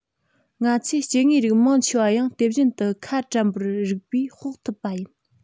ང ཚོས སྐྱེ དངོས རིགས མང ཆེ བ ཡང དེ བཞིན དུ ཁ གྲམ པར རིགས པས དཔོག ཐུབ པ ཡིན